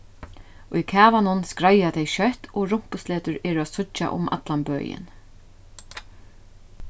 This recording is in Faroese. í kavanum skreiða tey skjótt og rumpusletur eru at síggja um allan bøin